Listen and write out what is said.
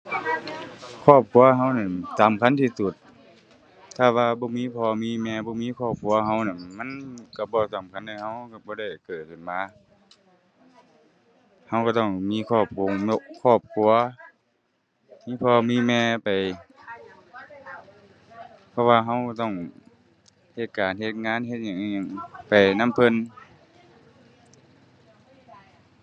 ครอบครัวเรานั้นสำคัญที่สุด ถ้าว่าบ่มีพ่อมีแม่ บ่มีครอบครัวเรานั้นมันเราบ่สำคัญให้เราเราบ่ได้เกิดขึ้นมา เราเราต้องมีครอบคงแล้ว ครอบครัว มีพ่อมีแม่ไป เพราะว่าเราเราต้องเฮ็ดการ เฮ็ดงาน เฮ็ดอิหยังอิหยังไปนำเพิ่น